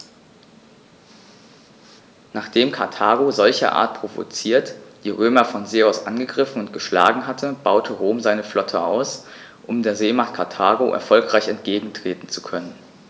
Nachdem Karthago, solcherart provoziert, die Römer von See aus angegriffen und geschlagen hatte, baute Rom seine Flotte aus, um der Seemacht Karthago erfolgreich entgegentreten zu können.